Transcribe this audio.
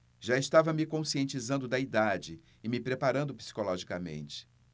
já estava me conscientizando da idade e me preparando psicologicamente